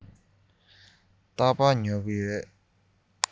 རྟག པར ཉོ གི ཡོད